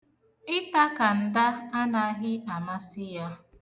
Ita kanda anaghị amasị ya.